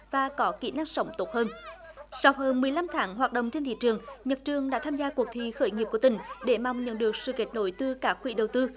và có kỹ năng sống tốt hơn sau hơn mười lăm tháng hoạt động trên thị trường nhật trường đã tham gia cuộc thi khởi nghiệp của tỉnh để mong nhận được sự kết nối từ các quỹ đầu tư